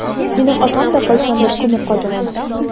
Минем атам да кайчандыр күмер казыган.